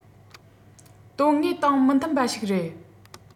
དོན དངོས དང མི མཐུན པ ཞིག རེད